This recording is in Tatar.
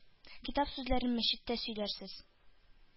-китап сүзләрен мәчеттә сөйләрсез,